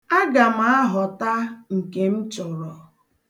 Aga m ahọta nke m chọrọ.